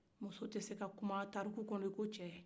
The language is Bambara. muso tɛ se ka kuma tarikula i ko cɛ